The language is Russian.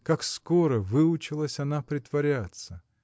Как скоро выучилась она притворяться?